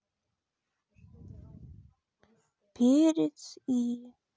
перец и